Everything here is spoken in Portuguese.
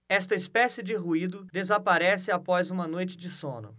esta espécie de ruído desaparece após uma noite de sono